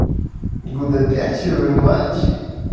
гутоперчивый мальчик